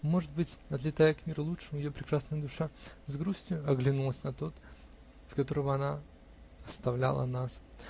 Может быть, отлетая к миру лучшему, ее прекрасная душа с грустью оглянулась на тот, в котором она оставляла нас